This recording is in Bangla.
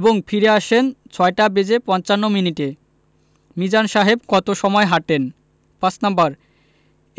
এবং ফিরে আসেন ৬টা বেজে পঞ্চান্ন মিনিটে মিজান সাহেব কত সময় হাঁটেন ৫ নাম্বার